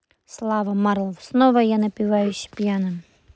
slava marlow снова я напиваюсь пьяным